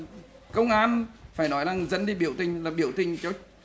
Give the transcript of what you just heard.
công an phải nói rằng dân đi biểu tình là biểu tình cho